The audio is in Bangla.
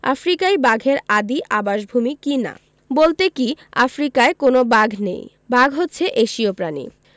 আফ্রিকাই বাঘের আদি আবাসভূমি কি না বলতে কী আফ্রিকায় কোনো বাঘ নেই বাঘ হচ্ছে এশীয় প্রাণী